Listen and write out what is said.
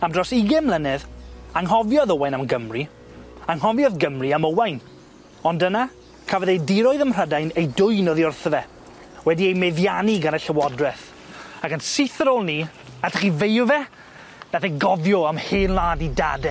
Am dros ugen mlynedd anghofiodd Owain am Gymru, anghofiodd Gymru am Owain, ond yna cafodd ei diroedd ym Mhrydain ei dwyn oddi wrtho fe, wedi ei meddiannu gan y llywodreth ac yn syth ar ôl 'ny, allech chi feio fe nath e gofio am hen wlad 'i dade.